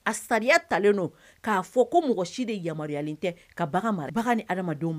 A sariya talen don k'a fɔ ko mɔgɔ si de yamaruyalen tɛ ka ni adamadenw ma